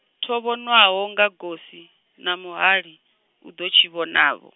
tho vhonwaho nga gosi , na muhali, u ḓo tshi vhonavho.